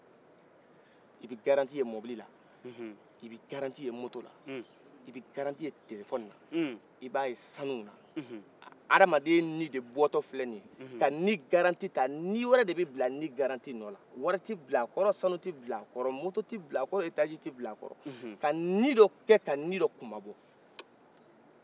i bɛ garantie ye mobilila i bɛ garantie ye motola i b'a ye telephone la i b'a ye sanun na hadamaden nin de bɔtɔfilɛ nin ye ka nin garantie ta nin wɛrɛ de be bila nin nɔnan waari t'i bila kɔrɔ sanu t'i bilan kɔrɔ moto t'i bila kɔrɔ etage t'i bila kɔrɔ ka nin don kɛ ka nin don kumabɔ